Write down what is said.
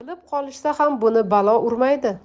bilib qolishsa ham buni balo urmaydi